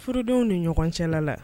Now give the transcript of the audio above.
Furudenw de ɲɔgɔn cɛla la